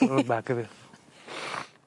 Rho'r bag i fi.